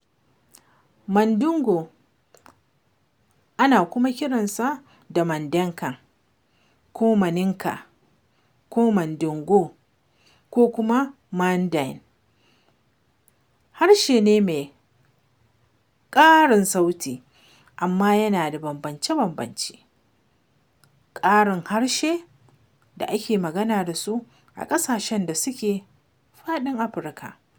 Mandingo ( ana kuma kira sa da Mandenkan ko Maninka ko Mandingo ko kuma Manding) harshe ne mai karin sauti, amma yana da bambance-bambancen karin harshe da ake magana da su a ƙasashen da suke faɗin Afirka ta Yamma.